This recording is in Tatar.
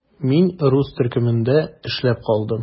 Мин рус төркемендә эшләп калдым.